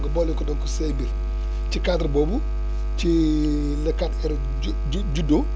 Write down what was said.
nga boole ko donc say mbir ci cadre boobu ci la 4R ju(à ju juddoo